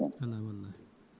ala wallahi